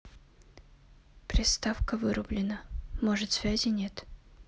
приставка вырублена может связи нет